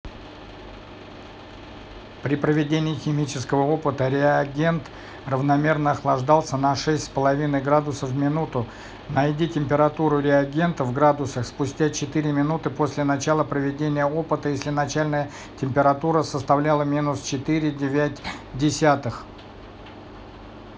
при проведении химического опыта реагент равномерно охлаждался на шесть с половиной градусов в минуту найди температуру реагента в градусах спустя четыре минуты после начала проведения опыта если начальная температура составляла минус четыре и девять десятых